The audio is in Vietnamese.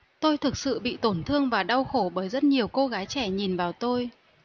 tôi thực sự bị tổn thương và đau khổ bởi rất nhiều cô gái trẻ nhìn vào tôi